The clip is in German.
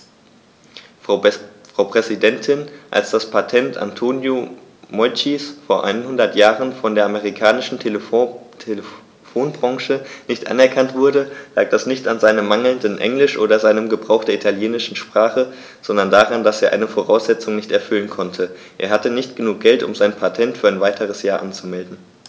Frau Präsidentin, als das Patent Antonio Meuccis vor einhundert Jahren von der amerikanischen Telefonbranche nicht anerkannt wurde, lag das nicht an seinem mangelnden Englisch oder seinem Gebrauch der italienischen Sprache, sondern daran, dass er eine Voraussetzung nicht erfüllen konnte: Er hatte nicht genug Geld, um sein Patent für ein weiteres Jahr anzumelden.